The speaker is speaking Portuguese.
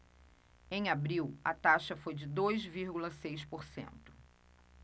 em abril a taxa foi de dois vírgula seis por cento